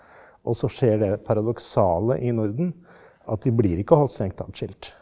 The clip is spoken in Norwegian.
og så skjer det paradoksale i Norden at de blir ikke holdt strengt adskilt.